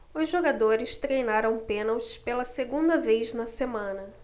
os jogadores treinaram pênaltis pela segunda vez na semana